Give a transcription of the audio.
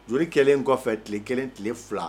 Joli kɛlen kɔfɛ tile kelen tile fila